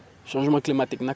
changement climatique nag